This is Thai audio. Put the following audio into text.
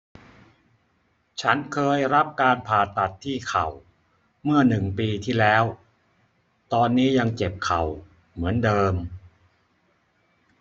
ฉันเคยรับการผ่าตัดที่เข่าเมื่อปีหนึ่งปีที่แล้วตอนนี้ยังเจ็บเข่าเหมือนเดิม